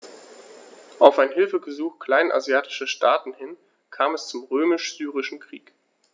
Auf ein Hilfegesuch kleinasiatischer Staaten hin kam es zum Römisch-Syrischen Krieg.